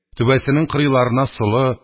Түбәсенең кырыйларына солы,